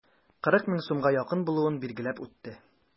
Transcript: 40 мең сумга якын булуын билгеләп үтте.